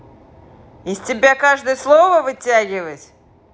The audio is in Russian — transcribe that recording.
тебе надо каждое слово вытягивать